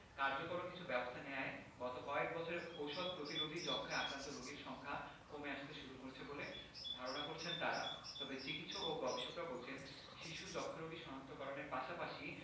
কার্যকর কিছু ব্যবস্থা নেয়ায় গত কয়েক বছরে ওষুধ প্রতিরোধী যক্ষ্মায় আক্রান্ত রোগীর সংখ্যা কমে আসতে শুরু করেছে বলে ধারণা করছেন তারা তবে চিকিৎসক ও গবেষকরা বলছেন শিশু যক্ষ্ণারোগী শনাক্ত করণের পাশাপাশি